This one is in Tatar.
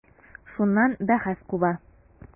Шуннан бәхәс куба.